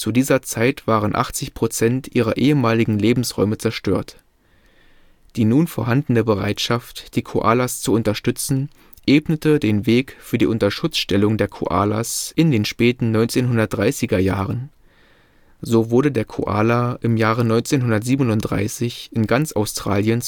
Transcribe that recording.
dieser Zeit waren 80 % ihrer ehemaligen Lebensräume zerstört. Die nun vorhandene Bereitschaft, die Koalas zu unterstützen, ebnete den Weg für die Unterschutzstellung der Koalas in den späten 1930er Jahren. So wurde der Koala im Jahre 1937 in ganz Australien